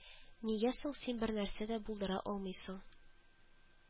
Нигә соң син бернәрсә дә булдыра алмыйсың